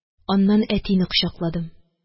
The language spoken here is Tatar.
Аннан әтине кочакладым